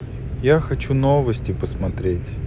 я хочу новости посмотреть